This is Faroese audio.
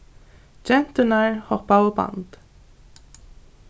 genturnar hoppaðu band